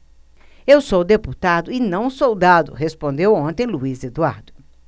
eu sou deputado e não soldado respondeu ontem luís eduardo